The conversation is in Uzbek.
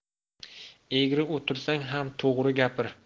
egri o'tirsang ham to'g'ri gapir